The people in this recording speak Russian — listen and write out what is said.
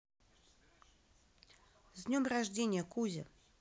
с днем рождения кузя